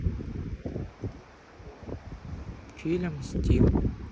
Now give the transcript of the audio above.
фильм стим